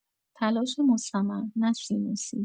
تلاش مستمر، نه سینوسی